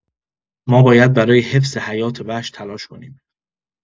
ما باید برای حفظ حیات‌وحش تلاش کنیم.